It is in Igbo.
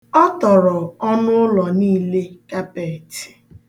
Ọ tọrọ ọnụ ụlọ niile kapeeti.